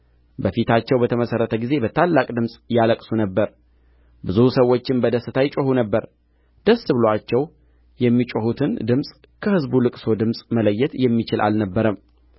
በፊታቸው በተመሠረተ ጊዜ በታላቅ ድምፅ ያለቅሱ ነበር ብዙ ሰዎችም በደስታ ይጮኹ ነበር ደስ ብሎአቸው የሚጮኹትን ድምፅ ከሕዝቡ ልቅሶ ድምፅ መለየት የሚችል አልነበረም